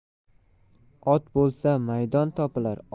ot bo'lsa maydon topilar